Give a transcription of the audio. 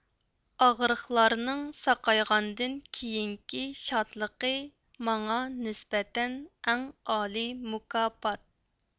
ئاغرىقلارنىڭ ساقايغاندىن كېيىنكى شاتلىقى ماڭا نىسبەتەن ئەڭ ئالىي مۇكاپات